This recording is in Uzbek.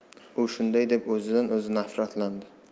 u shunday deb o'zidan o'zi nafratlandi